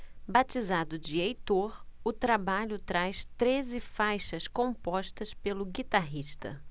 batizado de heitor o trabalho traz treze faixas compostas pelo guitarrista